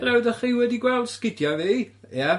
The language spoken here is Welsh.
hello 'dach chi wedi gweld sgidia' fi ia?